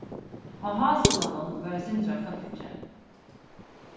á háskúlanum var eitt sindur av fólki